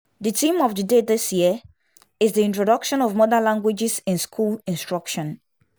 The theme of the Day this year is the introduction of mother languages in school instruction.